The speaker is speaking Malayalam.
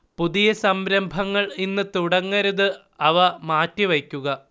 പുതിയ സംരംഭങ്ങൾ ഇന്ന് തുടങ്ങരുത് അവ മാറ്റിവയ്ക്കുക